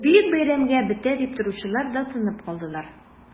Бөек бәйрәмгә бетә дип торучылар да тынып калдылар...